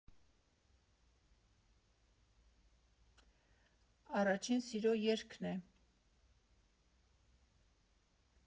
Առաջին սիրո երգն։